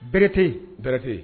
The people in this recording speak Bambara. Bɛrɛ te yen. Bɛrɛ te yen.